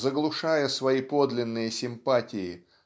заглушая свои подлинные симпатии